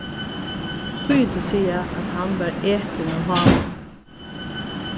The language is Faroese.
tíðindini siga at hann var etin av hávum